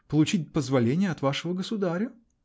Получить позволение от вашего государя?